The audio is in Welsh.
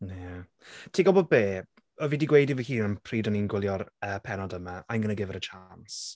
Ie. Ti'n gwybod be? O' fi 'di gweud i fy hun am pryd o'n i'n gwylio'r yy pennod yna I'm going to give her a chance.